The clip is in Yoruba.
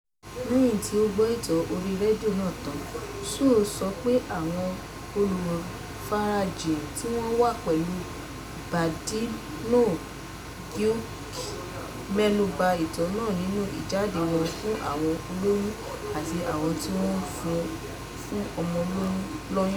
Lẹ́yìn tí ó gbọ́ ìtàn orí rédíò rẹ̀ tán, Sow sọ pé àwọn olùfarajìn tí wọ́n wà pẹ̀lú Badianou Guokh mẹ́nuba ìtàn náà nínú ìjáde wọn fún àwọn olóyún àti àwọn tí wọ́n ń fún ọmọ lọ́yàn.